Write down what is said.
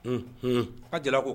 H h a jala ko